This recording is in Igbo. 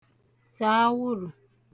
sè awụ̀rụ̀